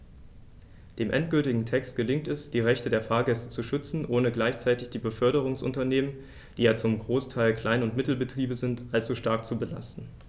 Dem endgültigen Text gelingt es, die Rechte der Fahrgäste zu schützen, ohne gleichzeitig die Beförderungsunternehmen - die ja zum Großteil Klein- und Mittelbetriebe sind - allzu stark zu belasten.